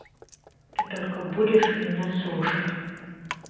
ты только будешь меня слушать